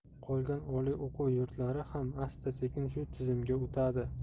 qolgan oliy o'quv yurtlari ham asta sekin shu tizimga o'tadi